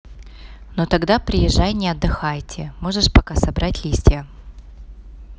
ну тогда приезжай не отдыхайте можешь пока собрать листья